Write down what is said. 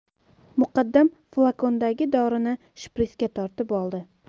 muqaddam flakondagi dorini shprisga tortib oldi